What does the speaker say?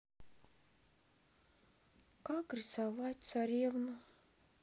как рисовать царевну